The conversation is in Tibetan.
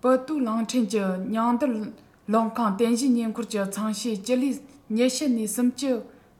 ཕུའུ ཏའོ གླིང ཕྲན གྱི ཉིང རྡུལ གློག ཁང རྟེན གཞིའི ཉེ འཁོར གྱི ཚངས ཕྱེད སྤྱི ལེ ཉེ ཤུ ནས སུམ བཅུ